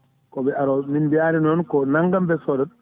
koɓe aroɓe min mbiyani noon ko nanggam ɓe sodata